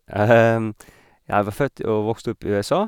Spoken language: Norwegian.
Jeg var født og vokst opp i USA.